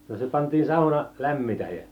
no se pantiin sauna lämmitä ja